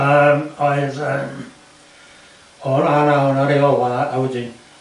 yym oedd yym o na o'na reola a wedyn